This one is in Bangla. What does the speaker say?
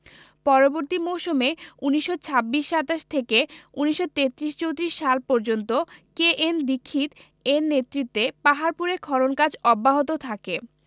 পরবর্তী মৌসুমে ১৯২৬ ২৭ থেকে ১৯৩৩ ৩৪ সাল পর্যন্ত কে এন দীক্ষিত এর নেতৃত্বে পাহাড়পুরে খনন কাজ অব্যাহত থাকে